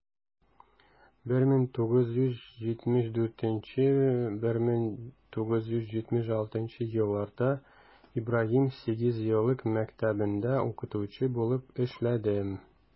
1974 - 1976 елларда ибраһим сигезьеллык мәктәбендә укытучы булып эшләдем.